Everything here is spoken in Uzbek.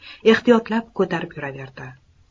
ehtiyotlab ko'tarib yuraverdi